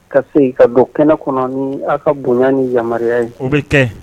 Ka segin ka don kɛnɛ kɔnɔ ni aw ka bonya ni yamaruya ye. O bɛ kɛ.